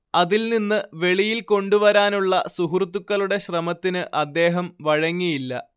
അതിൽ നിന്ന് വെളിയിൽ കൊണ്ടുവരാനുള്ള സുഹൃത്തുക്കളുടെ ശ്രമത്തിന് അദ്ദേഹം വഴങ്ങിയില്ല